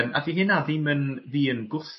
yym a fi hynna ddim yn fi yn